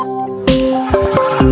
những bức